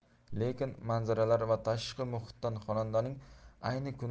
lekin manzaralar va tashqi muhitdan xonandaning ayni